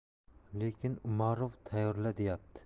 lekin umarov tayyorla deyapti